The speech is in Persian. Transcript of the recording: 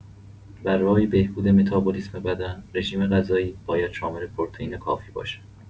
برای بهبود متابولیسم بدن، رژیم‌غذایی باید شامل پروتئین کافی باشد.